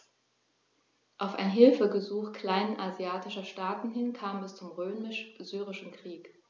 Auf ein Hilfegesuch kleinasiatischer Staaten hin kam es zum Römisch-Syrischen Krieg.